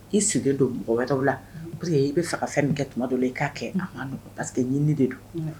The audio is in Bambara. I sigilen don mɔgɔ wɛrɛ la que i bɛ faga ka fɛn min kɛ tuma dɔ i k'a kɛ pa que ɲinin de don